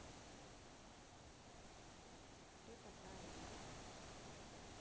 кто такая лида